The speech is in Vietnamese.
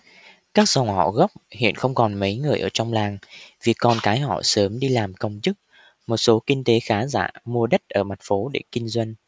các dòng họ gốc hiện không còn mấy người ở trong làng vì con cái họ sớm đi làm công chức một số kinh tế khá giả mua đất ở mặt phố để kinh doanh